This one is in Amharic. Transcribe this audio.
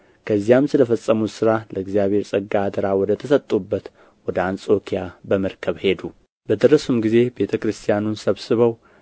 ከዚያም ስለ ፈጸሙት ሥራ ለእግዚአብሔር ጸጋ አደራ ወደ ተሰጡበት ወደ አንጾኪያ በመርከብ ሄዱ በደረሱም ጊዜ ቤተ ክርስቲያኑን ሰብስበው